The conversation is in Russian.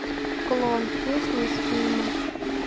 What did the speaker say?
клон песня из фильма